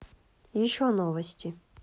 еще новости